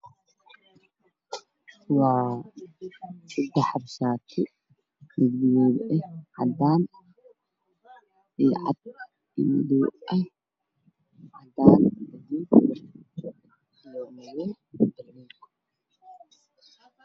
Meeshan waxaa ka muuqda saddex shaar oo mid cadan mid danbas ah iyo mid guduud ah